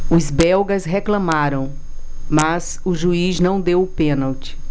os belgas reclamaram mas o juiz não deu o pênalti